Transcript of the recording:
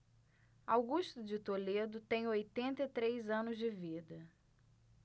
augusto de toledo tem oitenta e três anos de vida